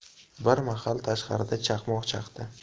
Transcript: bir mahal tashqarida chaqmoq chaqdi